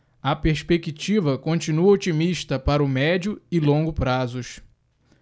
a perspectiva continua otimista para o médio e longo prazos